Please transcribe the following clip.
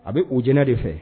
A bɛ u j de fɛ